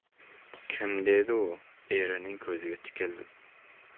kim dedi u erining ko'ziga tikilib